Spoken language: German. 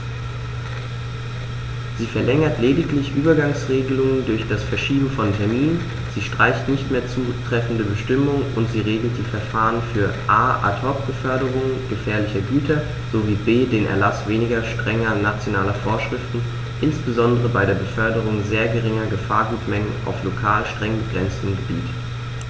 Sie verlängert lediglich Übergangsregeln durch das Verschieben von Terminen, sie streicht nicht mehr zutreffende Bestimmungen, und sie regelt die Verfahren für a) Ad hoc-Beförderungen gefährlicher Güter sowie b) den Erlaß weniger strenger nationaler Vorschriften, insbesondere bei der Beförderung sehr geringer Gefahrgutmengen auf lokal streng begrenzten Gebieten.